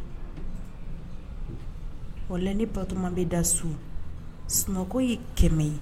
Wa la ni bato bɛ da so sun ye kɛmɛ ye